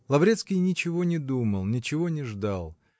Лаврецкий ничего не думал, ничего не ждал